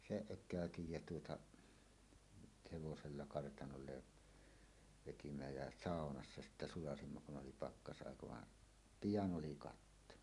sen ökäytin ja tuota hevosella kartanolle vedimme ja saunassa sitten sulatimme kun oli pakkasaika vaan pian oli katto